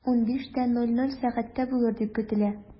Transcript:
15.00 сәгатьтә булыр дип көтелә.